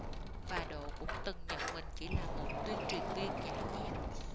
và độ cũng từng nhận mình chỉ là một tuyên truyền viên nhãi nhép